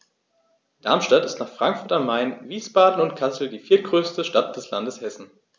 Darmstadt ist nach Frankfurt am Main, Wiesbaden und Kassel die viertgrößte Stadt des Landes Hessen